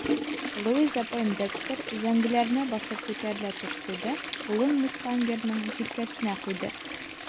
Луиза Пойндекстер өзәңгеләренә басып күтәрелә төште дә кулын мустангерның җилкәсенә куйды.